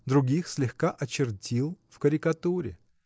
других слегка очертил в карикатуре.